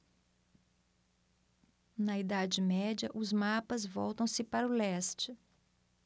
na idade média os mapas voltam-se para o leste